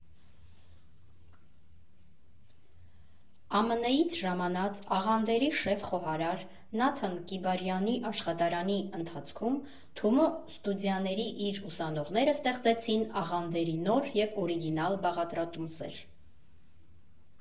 ԱՄՆ֊ից ժամանած աղանդերի շեֆ խոհարար Նաթան Կիբարյանի աշխատարանի ընթացքում Թումո ստուդիաների իր ուսանողները ստեղծեցին աղանդերի նոր և օրիգինալ բաղադրատոմսեր։